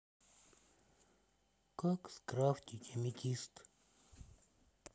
как скрафтить аметист